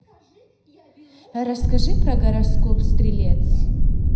расскажи про гороскоп стрелец